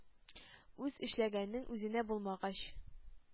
Үз эшләгәнең үзеңә булмагач,